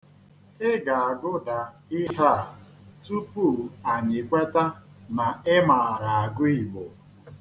Ị ga-agụda ihe a tupu anyị kweta na ị maara agụ Igbo.